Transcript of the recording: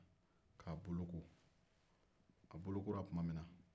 k'a bolo ko a bolokora tumana min na